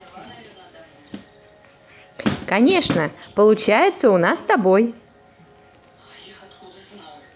конечно получается у нас с тобой